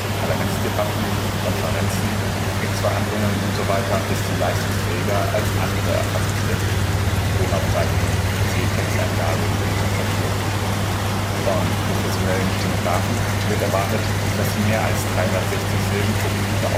Parlamentsdebatten, Konferenzen, Gerichtsverhandlungen usw. ist sie leistungsfähiger als andere Erfassungstechniken (Tonaufzeichnung, PC-Texteingabe über die Tastatur). Von professionellen Stenografen wird erwartet, dass sie mehr als 360 Silben pro Minute